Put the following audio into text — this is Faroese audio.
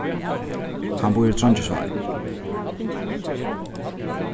hann býr í trongisvági